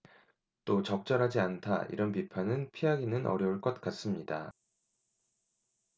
또 적절하지 않다 이런 비판은 피하기는 어려울 것 같습니다